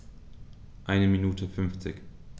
Eine Minute 50